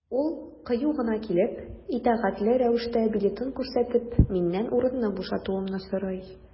Ул кыю гына килеп, итәгатьле рәвештә билетын күрсәтеп, миннән урынны бушатуымны сорый.